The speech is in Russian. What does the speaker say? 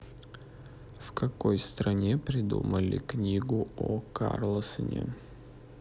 в какой стране придумали книгу о карлсоне